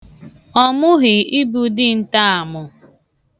Ọ mụghị ịbụ dinta amụ.